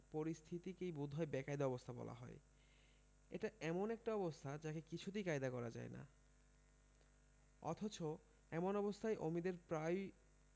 পরিস্থিতিকেই বোধ হয় বেকায়দা অবস্থা বলা হয় এটা এমন একটা অবস্থা যাকে কিছুতেই কায়দা করা যায় না অথচ এমন অবস্থায় অমিদের প্রায়